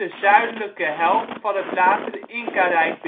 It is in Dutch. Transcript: zuidelijke helft van het latere Incarijk